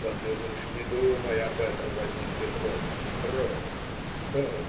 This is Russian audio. Да ты лучше не думай об этом, Василий Петрович, брось. А?